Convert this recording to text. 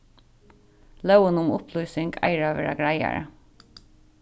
lógin um upplýsing eigur at verða greiðari